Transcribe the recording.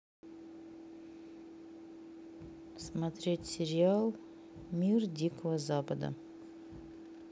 смотреть сериал мир дикого запада